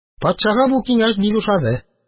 Патшага бу киңәш бик ошады.